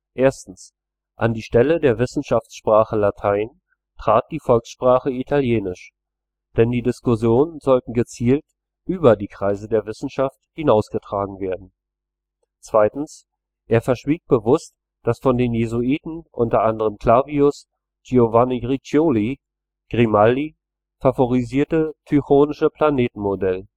1. An die Stelle der Wissenschaftssprache Latein trat die Volkssprache Italienisch, denn die Diskussionen sollten gezielt über die Kreise der Wissenschaft hinausgetragen werden. 2. Er verschwieg bewusst das von den Jesuiten – u. a. Clavius, Giovanni Riccioli, Grimaldi – favorisierte Tychonische Planetenmodell